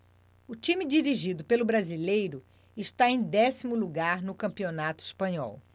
o time dirigido pelo brasileiro está em décimo lugar no campeonato espanhol